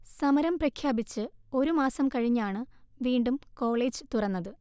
സമരം പ്രഖ്യാപിച്ച്ഒരു മാസം കഴിഞ്ഞാണു വീണ്ടും കോളേജ്തുറന്നത്